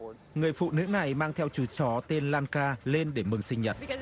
người phụ nữ này mang theo chú chó tên lan ka lên để mừng sinh nhật